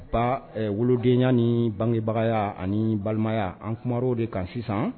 Ba ɛ wolodenya ni bangebagaya anii balimaya an kumar'o de kan sisan